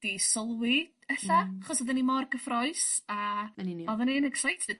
'di sylwi ella... Mmm. ...achos oddan ni mor gyffroes a... yn union. ...oddan ni'n excited